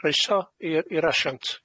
Croeso i'r i'r asiant.